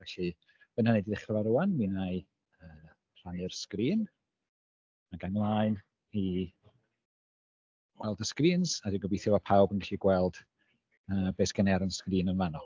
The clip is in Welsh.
Felly, be wna i wneud i ddechrau fo rŵan, mi wna i yy rhannu'r sgrin ac a i ymlaen i weld y sgrins, a dwi'n gobeithio bod pawb yn... ...gallu gweld be sy gynna i ar y sgrin yn fanno.